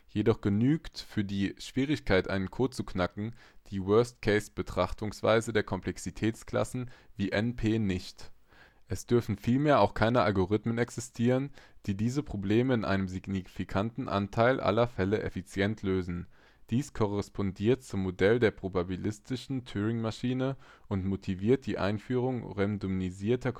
Jedoch genügt für die Schwierigkeit, einen Code zu knacken, die Worst-Case-Betrachtungsweise der Komplexitätsklassen wie NP nicht. Es dürfen vielmehr auch keine Algorithmen existieren, die diese Probleme in einem signifikanten Anteil aller Fälle effizient lösen. Dies korrespondiert zum Modell der probabilistischen Turingmaschine und motiviert die Einführung randomisierter